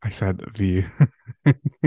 I said "fi".